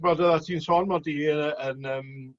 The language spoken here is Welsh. T'bod o' ti'n sôn mod i yy yn yym